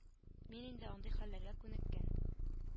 Мин инде андый хәлләргә күнеккән